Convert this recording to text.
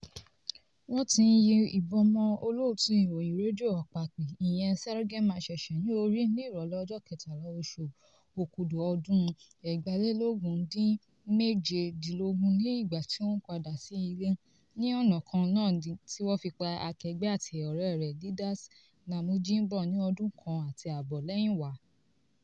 Wọ́n ti yin ìbọn mọ́ olóòtú ìròyìn Radio Okapi ìyẹn Serge Maheshe ní orí ní ìrọ̀lẹ́ ọjọ́ Kẹtàlá oṣù Òkudù ọdún 2007 nígbà tí ó ń padà sí ilé, ní ọ̀nà kan náà tí wọ́n fi pa akẹgbẹ́ àti ọ̀rẹ́ rẹ̀ Didace Namujimbo ní ọdún kan àti ààbọ̀ lẹ́yìnwá.